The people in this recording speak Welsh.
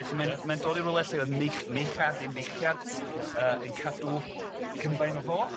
Felly mae'n... Ia. ...mae'n dod i rywle lle o'dd Meich- Meichad neu Meichiad... Ia. ...yy yn cadw cynfaen o foch.